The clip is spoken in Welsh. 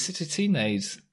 ...sut wyt ti'n neud?